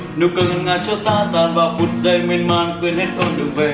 nụ cười ngọt ngào cho ta tan vào phút giây miên man quên hết con đường về eh